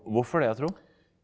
hvorfor det da tro?